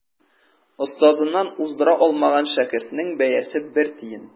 Остазыннан уздыра алмаган шәкертнең бәясе бер тиен.